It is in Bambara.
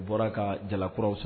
U bɔra ka jalakɔrɔw sɔrɔ